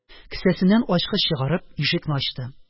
Кесәсеннән ачкыч чыгарып, ишекне ачты.